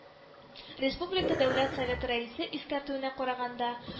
Республика Дәүләт Советы Рәисе искәртүенә караганда